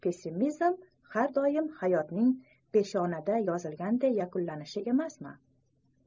pessimizm har doim hayotning peshanada yozilganiday yakunlanishi emasmi